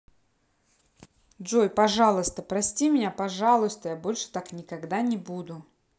джой пожалуйста прости меня пожалуйста я больше так никогда не буду